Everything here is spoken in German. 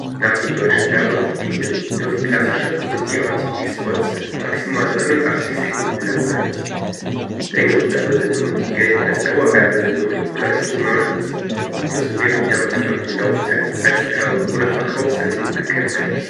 Nach den deutschen Werberichtlinien dürfen klassische und DRTV-Spots maximal 89 Sekunden lang sein. Längere Werbesendungen gelten als Dauerwerbesendungen oder Infomercials und müssen während ihrer gesamten Laufzeit als Werbe - oder Verkaufssendung gekennzeichnet